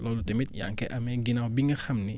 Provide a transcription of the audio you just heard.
loolu tamit yaa ngi koy amee ginnaaw bi nga xam ni